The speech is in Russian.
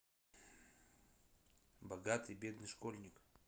богатый бедный школьник